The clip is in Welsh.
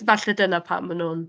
Falle dyna pam maen nhw'n...